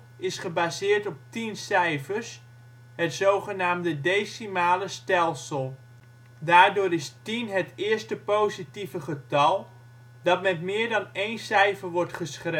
is gebaseerd op tien cijfers, het zogenaamde decimale stelsel. Daardoor is tien het eerste positieve getal dat met meer dan 1 cijfer wordt geschreven: 10.